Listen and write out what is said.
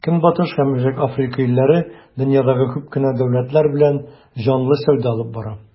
Көнбатыш һәм Үзәк Африка илләре дөньядагы күп кенә дәүләтләр белән җанлы сәүдә алып бара.